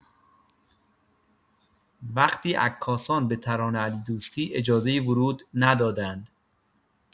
وقتی عکاسان به ترانه علیدوستی اجازه ورود ندادند!